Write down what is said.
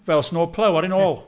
Fel snowplough ar ei nôl.